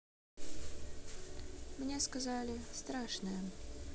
мне сказали страшная